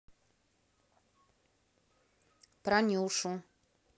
про нюшу